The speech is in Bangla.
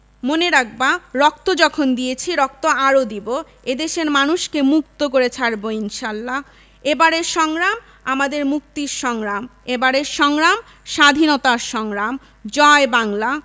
মবে রাখবা রক্ত যখন দিয়েছি রক্ত আরো দিবো এদেশের মানুষ কে মুক্ত করে ছাড়ব ইনশাল্লাহ এবারের সংগ্রাম আমাদের মুক্তির সংগ্রাম এবারের সংগ্রাম স্বাধীনতার সংগ্রাম জয় বাংলা